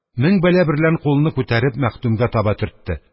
Мең бәла берлән кулыны күтәреп, мәхдүмгә таба төртте.